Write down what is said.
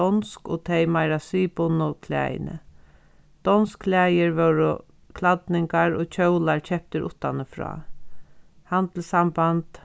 donsk og tey meira siðbundnu klæðini donsk klæðir vóru klædningar og kjólar keyptir uttanífrá handilssamband